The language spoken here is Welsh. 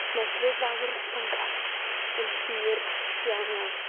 Mae stryd fawr Bangor yn hir iawn, iawn.